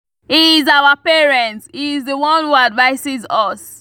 He is our parent, he is the one who advises us.